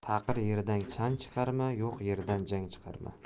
taqir yerdan chang chiqarma yo'q yerdan jang chiqarma